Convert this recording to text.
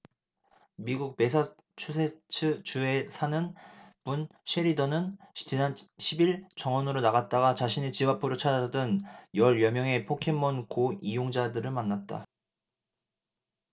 미국 매사추세츠주에 사는 분 셰리던은 지난 십 일 정원으로 나갔다가 자신의 집 앞으로 찾아든 열 여명의 포켓몬 고 이용자들을 만났다